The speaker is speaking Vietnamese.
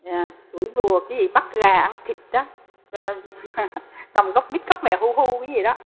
à đuổi rùa cái gì bắt gà ăn thịt á nằm gốc mít khóc mẹ hu hu cái gì đó